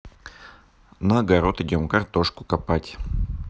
на огород идем картошку копать